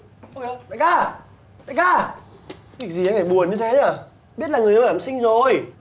ô kìa đại ca đại ca việc gì anh phải buồn như thế nhờ biết là người yêu của em xinh rồi